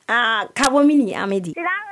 Aa ka bɔmini ame di